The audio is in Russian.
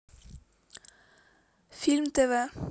фильмы тв